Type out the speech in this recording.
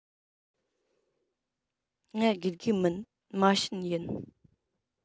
ང དགེ རྒན མིན མ བྱན ཡིན